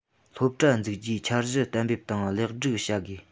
སློབ གྲྭ འཛུགས རྒྱུའི འཆར གཞི གཏན འབེབས དང ལེགས སྒྲིག བྱ དགོས